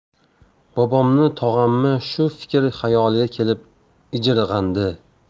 bobommi tog'ammi shu fikr xayoliga kelib ijirg'andi